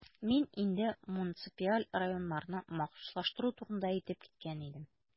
Мин инде муниципаль районнарны махсуслаштыру турында әйтеп киткән идем.